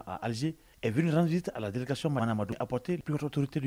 Aliz vdz tɛ a delielika so manamadu ap tɛ ppiptoorote